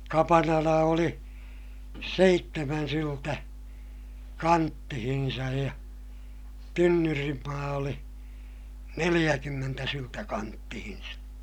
kapanala oli seitsemän syltä kanttiinsa ja tynnyrinmaa oli neljäkymmentä syltä kanttiinsa